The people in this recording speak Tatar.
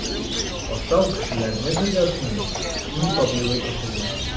Ашау - кешеләрне берләшүнең иң табигый ысулы.